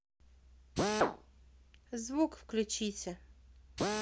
звук включите